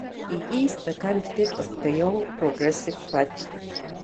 He is the candidate of the Young Progressive Party.